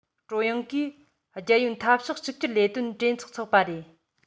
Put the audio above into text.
ཀྲུང དབྱང གིས རྒྱལ ཡོངས འཐབ ཕྱོགས གཅིག གྱུར ལས དོན གྲོས ཚོགས འཚོགས པ རེད